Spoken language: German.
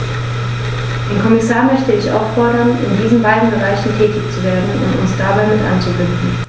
Den Kommissar möchte ich auffordern, in diesen beiden Bereichen tätig zu werden und uns dabei mit einzubinden.